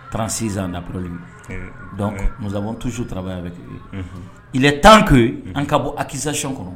36 ans d'après lui oui oui donc nous avons toujours travaillé avec eux unhun il est temps que unhun an ka bɔ accusation kɔnɔ